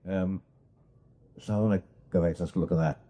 Yym. os gwelwch yn dda.